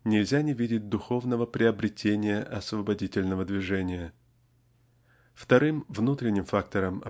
нельзя не видеть духовного приобретения освободительного движения. Вторым внутренним фактором